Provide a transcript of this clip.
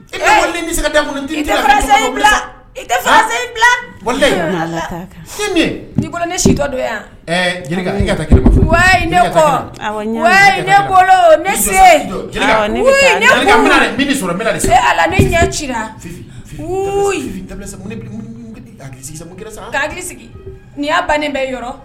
I i tɛfa si yan ne se ne ɲɛ ci sigi nii' bannen bɛ yɔrɔ